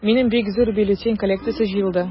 Минем бик зур бюллетень коллекциясе җыелды.